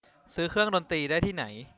ซื้อเครื่องดนตรีได้ที่ไหน